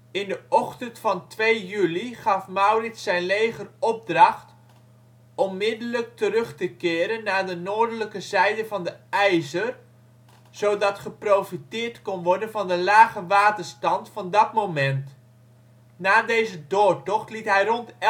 In de ochtend van 2 juli gaf Maurits zijn leger opdracht onmiddellijk terug te keren naar de noordelijke zijde van de IJzer zodat geprofiteerd kon worden van de lage waterstand van dat moment. Na deze doortocht liet hij rond